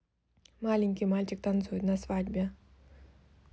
маленький мальчик танцует на свадьбе